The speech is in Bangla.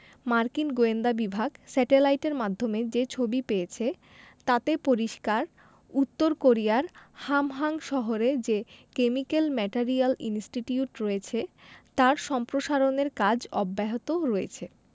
মার্কিন গোয়েন্দা বিভাগ স্যাটেলাইটের মাধ্যমে যে ছবি পেয়েছে তাতে পরিষ্কার উত্তর কোরিয়ার হামহাং শহরে যে কেমিক্যাল ম্যাটেরিয়াল ইনস্টিটিউট রয়েছে তার সম্প্রসারণের কাজ অব্যাহত রয়েছে